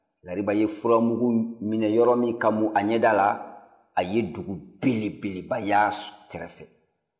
lariba ye furamugu minɛ yɔrɔ min k'a mu a ɲɛda la a ye dugu belebeleba ye a kɛrɛfɛ